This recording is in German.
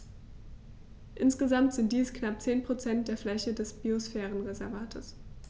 Insgesamt sind dies knapp 10 % der Fläche des Biosphärenreservates.